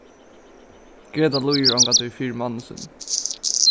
greta lýgur ongantíð fyri manni sínum